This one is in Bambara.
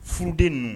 Furuden ninnu